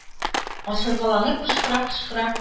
Ачыргаланып кычкыры-кычкыра